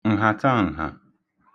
ǹhàtaǹhà